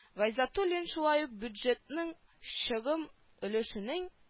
Гайзатуллин шулай ук бюджетның чыгым өлешенең